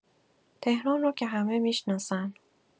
تهران رو که همه می‌شناسن.